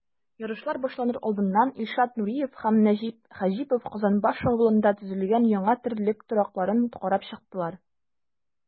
Ярышлар башланыр алдыннан Илшат Нуриев һәм Нәҗип Хаҗипов Казанбаш авылында төзелгән яңа терлек торакларын карап чыктылар.